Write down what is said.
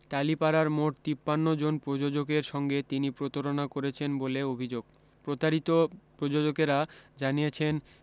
টালিপাড়ার মোট তিপান্ন জন প্রযোজকের সঙ্গে তিনি প্রতারণা করেছেন বলে অভি্যোগ প্রতারিত প্রযোজকেরা জানিয়েছেন